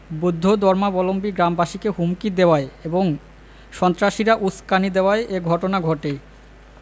বৌদ্ধ ধর্মাবলম্বী গ্রামবাসীকে হুমকি দেওয়ায় এবং সন্ত্রাসীরা উসকানি দেওয়ায় এ ঘটনা ঘটে